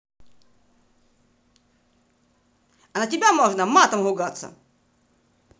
а на тебя можно матом ругаться